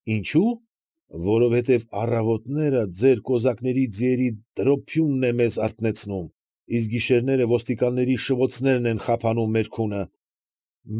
Ինչո՞ւ, որովհետև առավոտները ձեր կոզակների ձիերի տրոփյունն է մեզ զարթեցնում, իսկ գիշերները ոստիկանների շվոցներն են խափանում մեր քունը։